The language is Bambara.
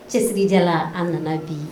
Cɛsirijalaa an nana bii